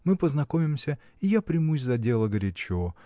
мы познакомимся, и я примусь за дело горячо.